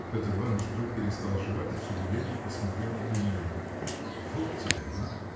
Петр Иваныч вдруг перестал жевать и с удивлением посмотрел на племянника. – Вот тебе на!